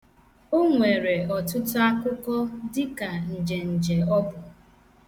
O nwere ọtụtụ akụkọ dịka njenje ọ bụ.